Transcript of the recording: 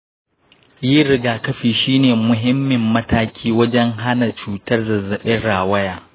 yin rigakafi shi ne muhimmin mataki wajen hana cutar zazzaɓin rawaya.